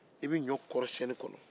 i bɛ ɲɔ kɔrɔsiyɛni kɔnɔ